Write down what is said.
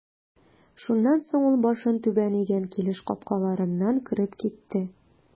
Шуннан соң ул башын түбән игән килеш капкаларыннан кереп китте.